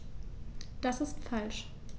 Das ist falsch.